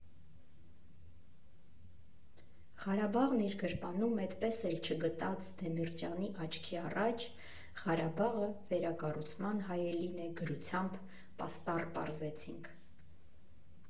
Ղարաբաղն իր գրպանում էդպես էլ չգտած Դեմիրճյանի աչքի առաջ «Ղարաբաղը վերակառուցման հայելին է» գրությամբ պաստառ պարզեցինք։